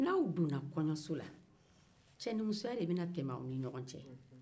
n'aw donna kɔjɔso la cɛnimusoya de bena tɛmɛ aw ni ɲɔgɔn cɛ